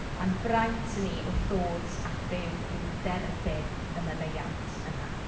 A'n braint ni wrth ddod at Dduw yw derbyn y maddeuant yna.